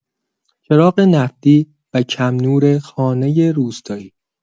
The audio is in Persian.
چراغ نفتی و کم‌نور خانه روستایی